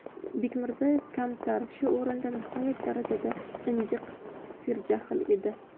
bekmirzaev kamtar shu o'rinda nihoyat darajada injiq serjahl edi